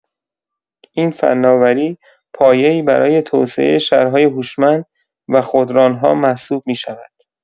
این فناوری، پایه‌ای برای توسعه شهرهای هوشمند و خودران‌ها محسوب می‌شود.